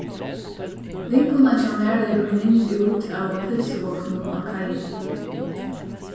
vinkonan hjá mær leggur mynd út av pylsuvogninum á kaiini